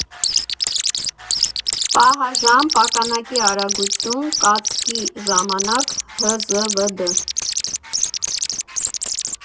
Պահաժամ, փականակի արագություն, կացքի ժամանակ, հզվդ.